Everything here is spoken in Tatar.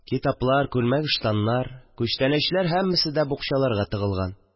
Китаплар, күлмәк-ыштаннар, күчтәнәчләр һәммәсе дә букчаларга тыгылга